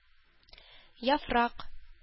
Яфрак